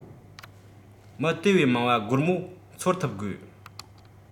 མི དེ བས མང བ སྒོར མོ འཚོལ ཐུབ དགོས